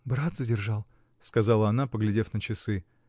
— Брат задержал, — сказала она, поглядев на часы.